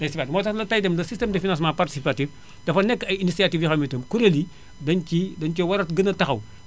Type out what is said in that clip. fay si waat moo tax nag tey dem le système de financement participatif dafa nekk ay initiative yoo xam ne itam kuréel yi dañ cii daén cee war a gën a taxaw